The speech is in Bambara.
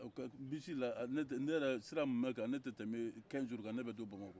mobili la sira muumɛ kan ne tɛ tɛmɛ tile tan ni duuru kan ne bɛ don bamako